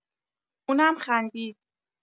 اونم خندید.